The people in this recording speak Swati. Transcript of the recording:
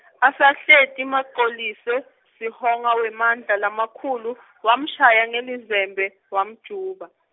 Asahleti Macilose, Sihonga wemandla lamakhulu , wamshaya ngelizembe, wamjuba.